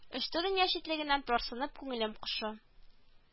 Очты дөнья читлегеннән тарсынып күңелем кошы